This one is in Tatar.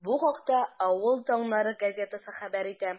Бу хакта “Авыл таңнары” газетасы хәбәр итә.